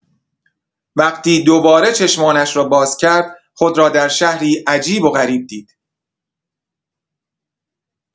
وقتی دوباره چشمانش را باز کرد، خود را در شهری عجیب و غریب دید.